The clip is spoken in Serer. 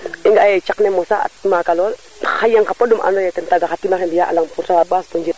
i nga a ye caq ne mosa a maaka lool xa yeng xa pod nun ando ye kaga xa tima xe mbiya a lang ba suto njiriñ